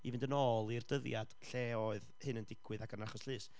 i fynd yn ôl i'r dyddiad lle oedd hyn yn digwydd ac yn achos llys.